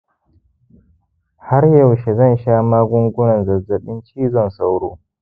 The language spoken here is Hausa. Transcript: har yaushe zan sha magungunan zazzabin cizon sauro